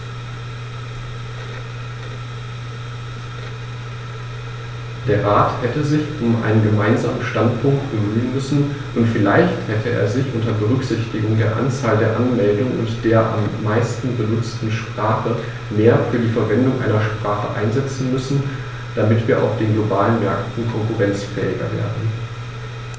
Der Rat hätte sich um einen gemeinsamen Standpunkt bemühen müssen, und vielleicht hätte er sich, unter Berücksichtigung der Anzahl der Anmeldungen und der am meisten benutzten Sprache, mehr für die Verwendung einer Sprache einsetzen müssen, damit wir auf den globalen Märkten konkurrenzfähiger werden.